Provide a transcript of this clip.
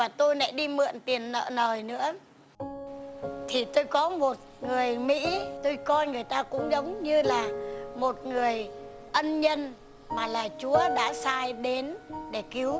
và tôi lại đi mượn tiền nợ lời nữa hiện tôi có một người mỹ coi người ta cũng giống như là một người ân nhân mà là chúa đã sai đến để cứu